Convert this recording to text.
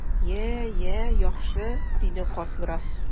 Я, я, яхшы! - диде карт граф.